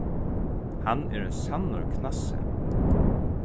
hann er ein sannur knassi